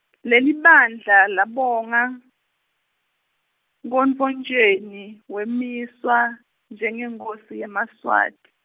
lelibandla labonga, Nkhotfotjeni, wemiswa, njengeNkhosi yemaSwati.